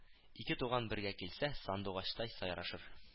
Ике туган, бергә килсә, сандугачтай сайрашыр